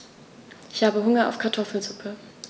Ich habe Hunger auf Kartoffelsuppe.